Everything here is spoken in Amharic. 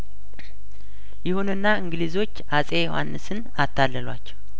ይሁንና እንግሊዞች አጼ ዮሀንስን አታ ለሏቸው